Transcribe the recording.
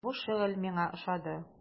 Һәм бу шөгыль миңа ошады.